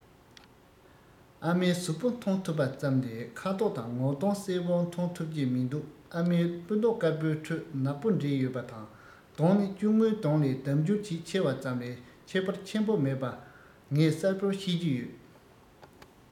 ཨ མའི གཟུགས པོ མཐོང ཐུབ པ ཙམ ལས ཁ དོག དང ངོ གདོང གསལ པོར མཐོང ཐུབ ཀྱི མི འདུག ཨ མའི སྤུ མདོག དཀར པོའི ཁྲོད ནག པོ འདྲེས ཡོད པ དང གདོང ནི གཅུང མོའི གདོང ལས ལྡབ འགྱུར གྱིས ཆེ བ ཙམ ལས ཁྱད པར ཆེན པོ མེད པ ངས གསལ པོར ཤེས ཀྱི ཡོད